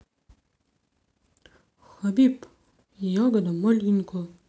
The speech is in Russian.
хабиб ягода малинка